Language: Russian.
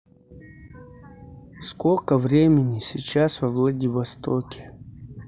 сколько времени сейчас во владивостоке